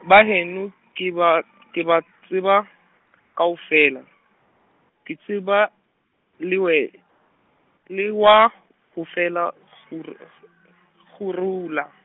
baheno ke ba , ke ba tseba kaofela , ke tseba, lewe-, lewa hofela kgor- , kgorula.